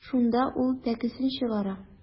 Шунда ул пәкесен чыгара.